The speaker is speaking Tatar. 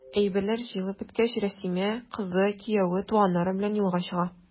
Әйберләр җыелып беткәч, Рәсимә, кызы, кияве, туганнары белән юлга чыга.